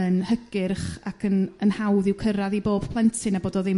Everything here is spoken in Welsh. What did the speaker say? yn hygyrch ac yn yn hawdd i'w cyrra'dd i bob plentyn a bod o ddim